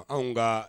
Anw nka